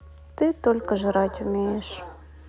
ты только жрать умеешь